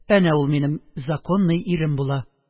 Әнә ул минем законный ирем була.